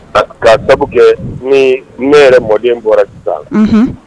Ka da kɛ ni ne yɛrɛ mɔden bɔra taa